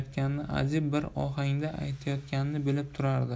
ajib bir ohangda aytayotganini bilib turardi